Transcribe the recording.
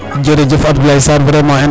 jerejef Abdoulaye Sarr vraiment